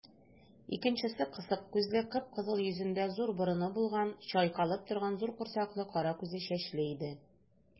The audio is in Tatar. Икенчесе кысык күзле, кып-кызыл йөзендә зур борыны булган, чайкалып торган зур корсаклы, кара куе чәчле иде.